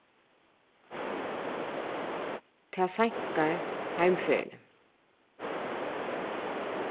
tað seinkar heimferðini